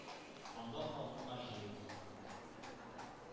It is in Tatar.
Анда да хатыннар җыелган,